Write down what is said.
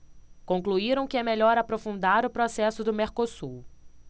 concluíram que é melhor aprofundar o processo do mercosul